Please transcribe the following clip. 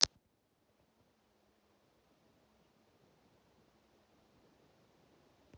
нужна ли железная сетка при штукатурке